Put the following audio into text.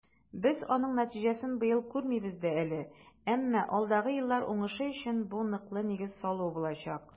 Без аның нәтиҗәсен быел күрмәбез дә әле, әмма алдагы еллар уңышы өчен бу ныклы нигез салу булачак.